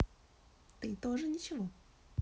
ты тоже ничего